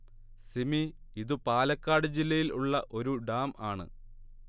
സിമി ഇതു പാലക്കാട് ജില്ലയിൽ ഉള്ള ഒരു ഡാം ആണ്